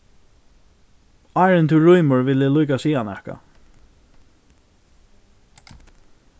áðrenn tú rýmir vil eg líka siga nakað